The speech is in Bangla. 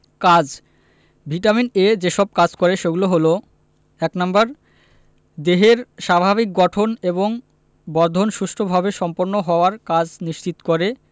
কাজ ভিটামিন এ যেসব কাজ করে সেগুলো হলো ১ নাম্বার দেহের স্বাভাবিক গঠন এবং বর্ধন সুষ্ঠুভাবে সম্পন্ন হওয়ার কাজ নিশ্চিত করে